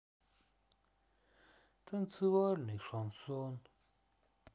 танцевальный шансон